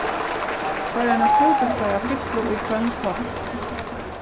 koyr eina súpiskeið av fyllu í hvønn sopp